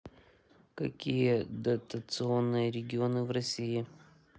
какие дотационные регионы в россии